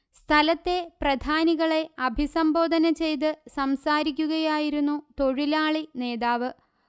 സ്ഥലത്തെ പ്രധാനികളെ അഭിസംബോധന ചെയ്ത് സംസാരിക്കുകയായിരുന്നു തൊഴിലാളിനേതാവ്